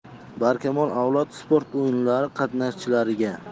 barkamol avlod sport o'yinlari qatnashchilariga